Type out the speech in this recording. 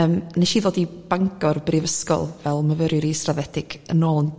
yym neshi ddod i Bangor Brifysgol fel myfyriwr israddedig yn ôl yn